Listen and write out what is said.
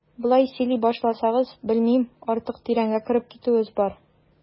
Болай сөйли башласагыз, белмим, артык тирәнгә кереп китүебез бар.